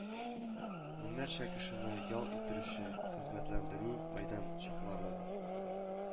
Меңнәрчә кешене ял иттерүче, хезмәтләндерү мәйданчыклары